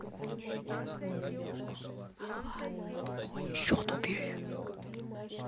ага ну тупой еще тупее